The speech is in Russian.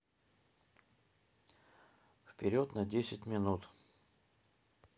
вперед на десять минут